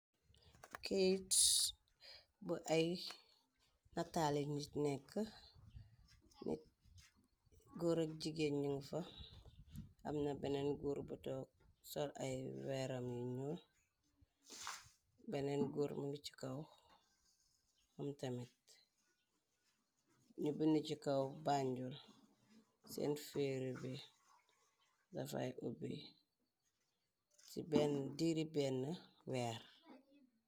Keyt bu ay nataali nitt nekka ne goor ak jigeen nung fa amna beneen goor bu tog sol ay veram yu ñuul beneen goor mung ci kaw am tamit ñu binda ci kaw Bànjol seen ferry be dafai oby ci beni diri bena weer.